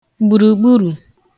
gbùrùgburù